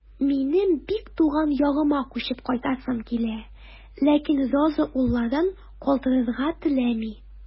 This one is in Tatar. Минем бик туган ягыма күчеп кайтасым килә, ләкин Роза улларын калдырырга теләми.